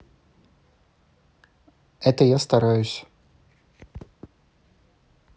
это я стараюсь